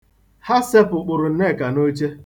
Ha sekpụpụrụ Nneka n'oche.